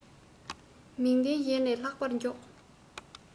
མིག ལྡན གཞན ལས ལྷག པར མགྱོགས